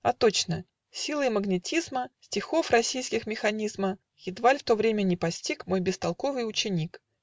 А точно: силой магнетизма Стихов российских механизма Едва в то время не постиг Мой бестолковый ученик.